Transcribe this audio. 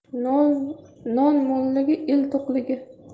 non mo'lligi el to'qligi